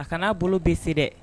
A kana aa bolo bɛse dɛ